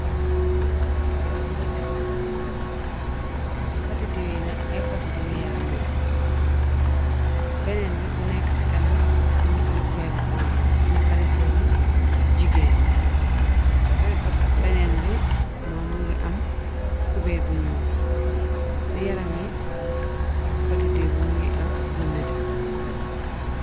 Ay potidiiw ñi ngi teg land poti diiw n ay potti diiw yi yaram neen beneen bi bu nekk ci kanam më nga am cubeer bu xonk ñi fade seene jigeen beneen bi moo mënga am kubeer bu ñuun ci yarami pottidiiw bi mëngi am lu nete.